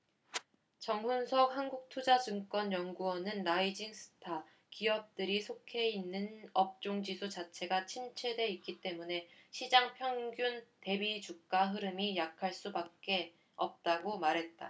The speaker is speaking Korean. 정훈석 한국투자증권 연구원은 라이징 스타 기업들이 속해 있는 업종지수 자체가 침체돼 있기 때문에 시장 평균 대비 주가 흐름이 약할 수밖에 없다고 말했다